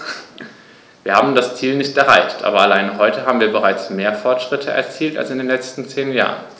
Wir haben das Ziel nicht erreicht, aber allein heute haben wir bereits mehr Fortschritte erzielt als in den letzten zehn Jahren.